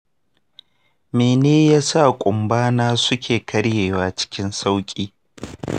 mene yasa ƙunba na suke karyewa cikin sauƙi?